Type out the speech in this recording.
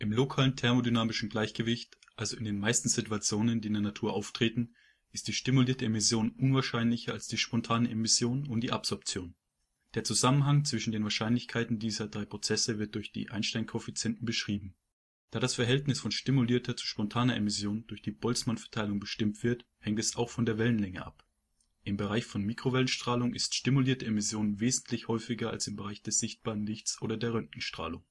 lokalen thermodynamischen Gleichgewicht, also in den meisten Situationen, die in der Natur auftreten, ist die stimulierte Emission unwahrscheinlicher als die spontane Emission und die Absorption. Der Zusammenhang zwischen den Wahrscheinlichkeiten dieser drei Prozesse wird durch die Einsteinkoeffizienten beschrieben. Da das Verhältnis von stimulierter zu spontaner Emission durch die Boltzmann-Verteilung bestimmt wird, hängt es auch von der Wellenlänge ab: im Bereich von Mikrowellenstrahlung ist stimulierte Emission wesentlich häufiger als im Bereich des sichtbaren Lichts oder der Röntgenstrahlung